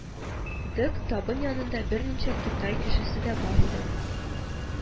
Дык, табын янында берничә кытай кешесе дә бар иде